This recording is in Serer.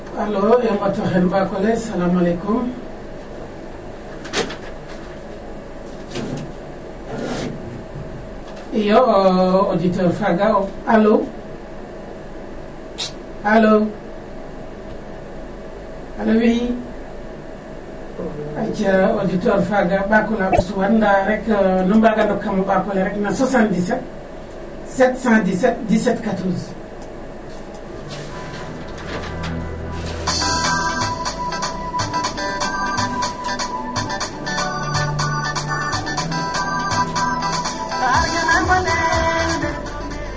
Alo i nqot o xene ɓaak ole salamaleku auditeur faga alo alo alo oui aca auditeur faga ɓaak ola ɓostuwan nda rek nu mbaga ndok kam o ɓaak ole ref na 777171714